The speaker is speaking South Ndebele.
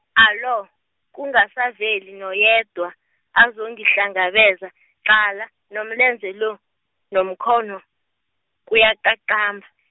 alo kungasaveli noyedwa, azongihlangabeza qala nomlenze lo, nomkhono, kuyaqaqamba.